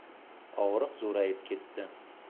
og'riq zo'rayib ketdi